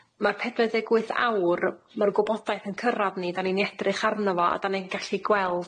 Ma'r pedwar ddeg wyth awr, ma'r gwybodaeth yn cyrradd ni. 'Dan ni'n edrych arno fo a 'dan ni'n gallu gweld